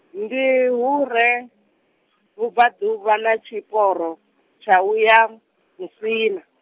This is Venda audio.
ndi hu re, vhubvaḓuvha na tshiporo, tsha u ya, Musina.